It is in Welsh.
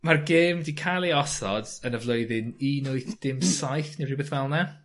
mae'r gêm 'di ca'l ei osod yn y flwyddyn un wyth dim saith ne' rhywbeth fal 'na.